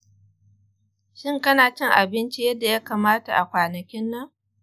shin kana cin abinci yadda ya kamata a kwanakin nan?